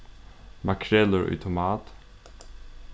makrelur í tomat